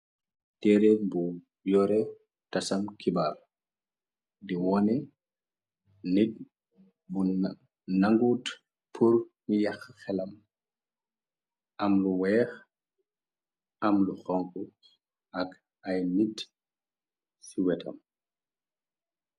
tereer bu yore tasam kibaar di wone nit bu nanguut pur ni yax xelam am lu weex am lu xonk ak ay nit ci wetam